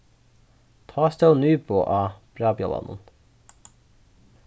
tá stóð nybo á brævbjálvanum